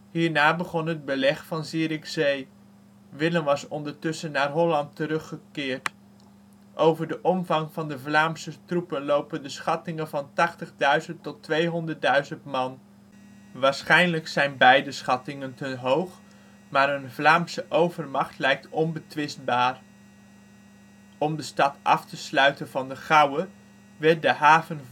Hierna begon het Beleg van Zierikzee. Willem was ondertussen naar Holland teruggekeerd. Over de omvang van de Vlaamse troepen lopen de schattingen van 80.000 tot 200.000 man. Waarschijnlijk zijn beide schattingen te hoog, maar een Vlaamse overmacht lijkt onbetwistbaar. Om de stad af te sluiten van de Gouwe werd de haven